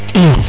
iyo